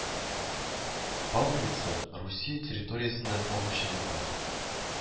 Павловица Русия территориясеннән агучы елга